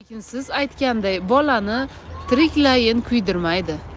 lekin siz aytganday bolani tiriklayin kuydirmaydi